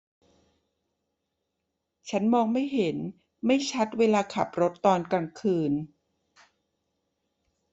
ฉันมองไม่เห็นไม่ชัดเวลาขับรถตอนกลางคืน